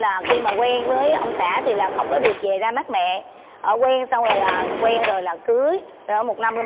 là khi mà quen với ông xã thì là không có được về ra mắt mẹ ở quê xong là quen rồi là cưới rồi ở một năm mới